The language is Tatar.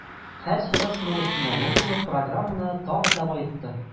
Һәр чыгыш нур өстенә нур булып, программаны тагын да баетты.